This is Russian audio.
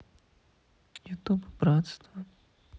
ютуб братство